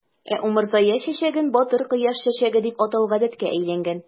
Ә умырзая чәчәген "батыр кояш чәчәге" дип атау гадәткә әйләнгән.